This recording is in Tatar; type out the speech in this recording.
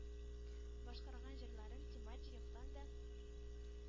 Башкарган җырларын тематик яктан да,